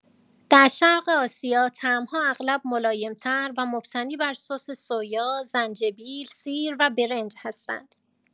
در شرق آسیا طعم‌ها اغلب ملایم‌تر و مبتنی بر سس سویا، زنجبیل، سیر و برنج هستند.